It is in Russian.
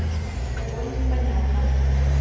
с тобой непонятно